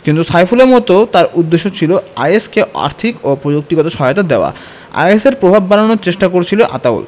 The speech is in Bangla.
কিন্তু সাইফুলের মতো তারও উদ্দেশ্য ছিল আইএস কে আর্থিক ও প্রযুক্তিগত সহায়তা দেওয়া আইএসের প্রভাব বাড়ানোর চেষ্টা করছিলেন আতাউল